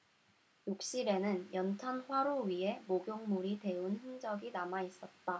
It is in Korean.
욕실에는 연탄 화로 위에 목욕물이 데운 흔적이 남아있었다